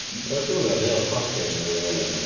Oeddech chdi'm yn gwbod be oedd claddings tan yn ddiweddar na?